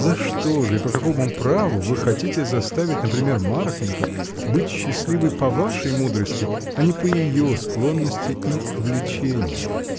За что же и по какому праву вы хотите заставить, например, Марфиньку быть счастливой по вашей мудрости, а не по ее склонности и влечениям?